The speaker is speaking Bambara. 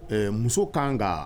Ɛɛ muso ka kan ka